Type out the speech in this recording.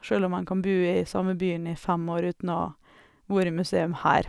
Sjøl om en kan bo i samme byen i fem år uten å vore i museum her.